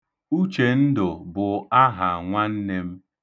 Ọ ga-enye ya Uchendụ.